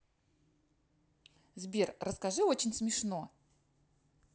сбер расскажи очень смешно